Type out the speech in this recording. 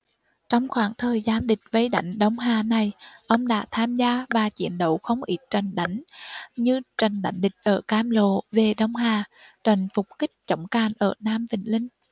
trong khoảng thời gian địch vây đánh đông hà này ông đã tham gia và chiến đấu không ít trận đánh như trận đánh địch từ cam lộ về đông hà trận phục kích chống càn ở nam vĩnh linh